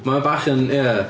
Mae o bach yn... ia.